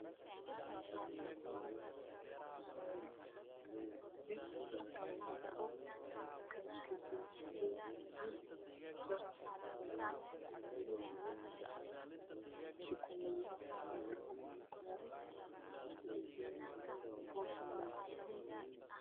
Meeshaani waa boor bir kalarkisa yahay madow kalarkeedu waa cadaan